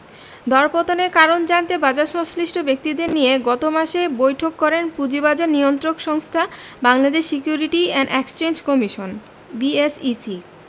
দরপতনের কারণ জানতে বাজারসংশ্লিষ্ট ব্যক্তিদের নিয়ে গত মাসে বৈঠক করেন পুঁজিবাজার নিয়ন্ত্রক সংস্থা Bangladesh security and exchange commission BSEC